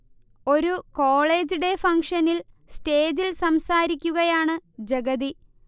ഒരു college day ഫംഗ്ഷനിൽ സ്റ്റേജിൽ സംസാരിക്കുകയാണ് ജഗതി